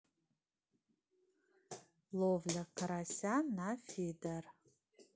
ловля карася на фидер